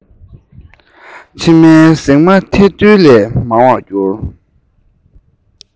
ཟེགས མ ཐལ རྡུལ ལས མང བར གྱུར